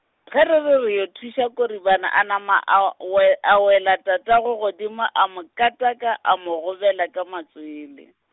ge re re re yo thuša Koribana a nama a we, a wela tatago godimo a mo kataka, a mo gobela ka matswele.